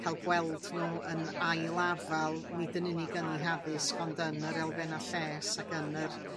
Ca'l gweld nhw yn ailafal nid yn unig yn 'u haddysg ond yn yr elfenna lles ac yn yr